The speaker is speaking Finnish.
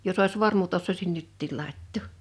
jos olisi vormut osaisin nytkin laittaa